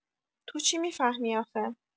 تو چی می‌فهمی آخه؟!